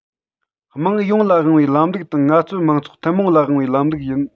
དམངས ཡོངས ལ དབང བའི ལམ ལུགས དང ངལ རྩོལ མང ཚོགས ཐུན མོང ལ དབང བའི ལམ ལུགས ཡིན